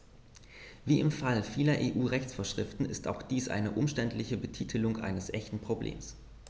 Wie im Fall vieler EU-Rechtsvorschriften ist auch dies eine umständliche Betitelung eines echten Problems.